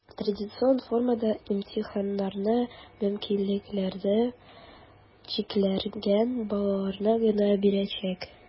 Традицион формада имтиханнарны мөмкинлекләре чикләнгән балалар гына бирәчәк.